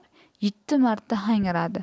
yetti marta hangradi